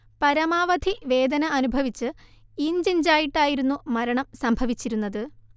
പരമാവധി വേദന അനുഭവിച്ച് ഇഞ്ചിഞ്ചായിട്ടായിരുന്നു മരണം സംഭവിച്ചിരുന്നത്